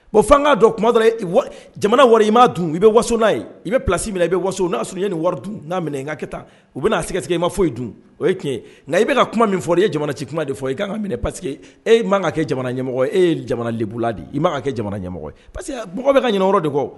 Bon fan'a dɔn kuma dɔ jamana wari i m ma dun i bɛ waso n'a ye i bɛ psi minɛ i bɛ waso n'a sunjata ni wari dun'a minɛ ka kɛ u' a sɛgɛ i ma fɔ dun o ye tiɲɛ ye nka i bɛ ka kuma min fɔ i ye jamana ci kuma de fɔ i minɛ paseke e m ma kɛ jamana ɲɛmɔgɔ e ye jamana lebu di i m' kɛ jamana ɲɛmɔgɔ pa que mɔgɔ bɛ ka ɲkɔrɔ de kɔ